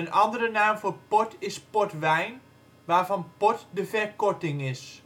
andere naam voor port is portwijn, waarvan port de verkorting is